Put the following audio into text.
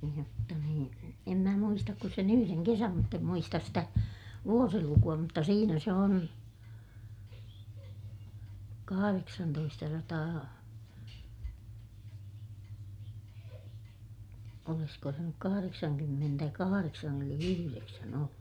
jotta niin en minä muista kuin sen yhden kesän mutta en muista sitä vuosilukua mutta siinä se on kahdeksantoistasataa olisiko se nyt kahdeksankymmentäkahdeksan eli yhdeksän ollut